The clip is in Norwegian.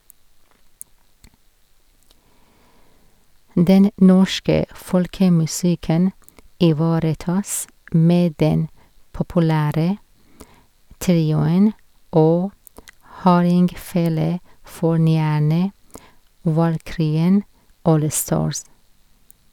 Den norske folkemusikken ivaretas med den populære trioen og hardingfelefornyerne Valkyrien Allstars.